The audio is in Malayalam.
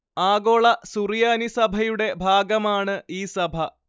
ആഗോള സുറിയാനി സഭയുടെ ഭാഗമാണ് ഈ സഭ